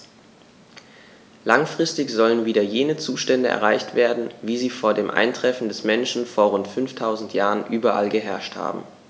Langfristig sollen wieder jene Zustände erreicht werden, wie sie vor dem Eintreffen des Menschen vor rund 5000 Jahren überall geherrscht haben.